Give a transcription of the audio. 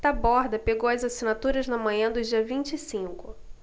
taborda pegou as assinaturas na manhã do dia vinte e cinco